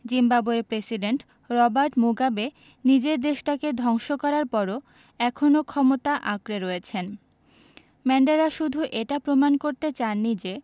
জিম্বাবুয়ের president Robert Mugabe নিজের দেশটাকে ধ্বংস করার পরও এখনো ক্ষমতা আঁকড়ে রয়েছেন ম্যান্ডেলা শুধু এটা প্রমাণ করতে চাননি যে